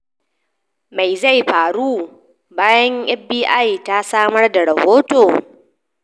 Me zai faru bayan FBI ta samar da rahoto?